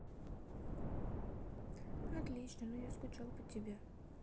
отлично но я скучал по тебе